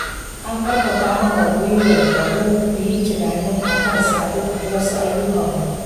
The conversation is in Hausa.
'An ƙarfafa mana gwiwar da mu yi tunani a kansa a duk wasu ayyukanmu''.